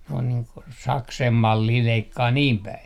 ne on niin kuin saksen mallia leikkaa niin päin